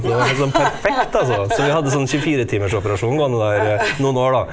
så det var helt sånn perfekt altså, så vi hadde sånn tjuefiretimersoperasjon gående der noen år da.